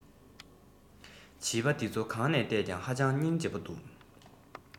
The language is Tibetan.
བྱིས པ འདི ཚོ གང ནས ལྟས ཀྱང ཧ ཅང རྙིང རྗེ པོ འདུག